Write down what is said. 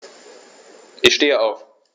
Ich stehe auf.